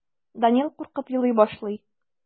Данил куркып елый башлый.